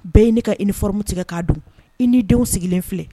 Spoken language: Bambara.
Bɛɛ ye ne ka i nioromu tigɛ ka don i ni denw sigilen filɛ